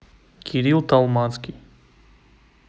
кирилл толмацкий